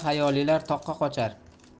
hayolilar toqqa qochar